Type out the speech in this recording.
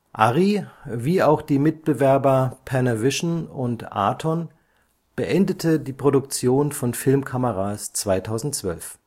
Arri, wie auch die Mitbewerber Panavision und Aaton, beendete die Produktion von Filmkameras 2012